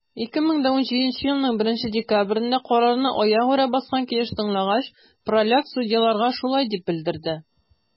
2017 елның 1 декабрендә, карарны аягүрә баскан килеш тыңлагач, праляк судьяларга шулай дип белдерде: